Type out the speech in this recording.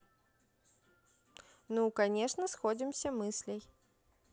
ну конечно сходимся мыслей